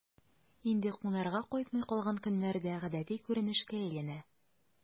Инде кунарга кайтмый калган көннәр дә гадәти күренешкә әйләнә...